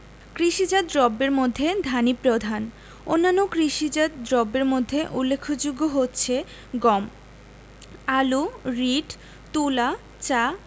কৃষিজাত দ্রব্যের মধ্যে ধানই প্রধান অন্যান্য কৃষিজাত দ্রব্যের মধ্যে উল্লেখযোগ্য হচ্ছে গম আলু রীট তুলা চা